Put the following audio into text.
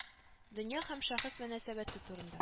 Дөнья һәм Шәхес мөнәсәбәте турында